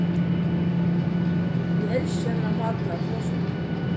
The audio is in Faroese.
eg elski hennara máta at tosa uppá